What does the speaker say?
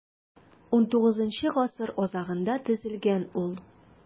XIX гасыр азагында төзелгән ул.